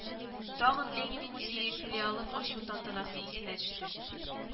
Тагын Ленин музее филиалын ачу тантанасы исенә төште